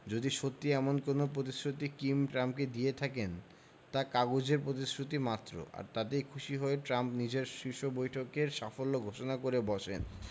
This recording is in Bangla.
যদি সত্যি এমন কোনো প্রতিশ্রুতি কিম ট্রাম্পকে দিয়ে থাকেন তা কাগুজে প্রতিশ্রুতিমাত্র আর তাতেই খুশি হয়ে ট্রাম্প নিজের শীর্ষ বৈঠকের সাফল্য ঘোষণা করে বসেন